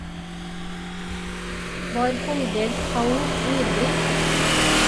Var Holger Tou ordblind?